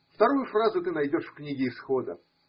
Вторую фразу ты найдешь в книге Исхода.